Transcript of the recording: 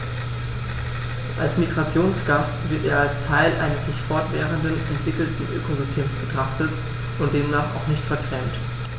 Als Migrationsgast wird er als Teil eines sich fortwährend entwickelnden Ökosystems betrachtet und demnach auch nicht vergrämt.